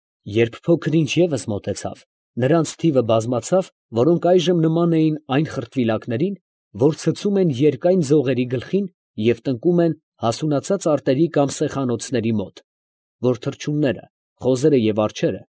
Երբ փոքր ինչ ևս մոտեցավ, նրանց թիվը բազմացավ, որոնք այժմ նման էին այն խրտվիլակներին, որ ցցում են երկայն ձողերի գլխին և տնկում են հասունացած արտերի կամ սեխանոցների մոտ, որ թռչունները, խոզերը և արջերը։